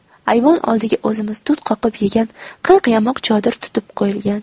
ayvon oldiga o'zimiz tut qoqib yegan qirq yamoq chodir tutib qo'yilgan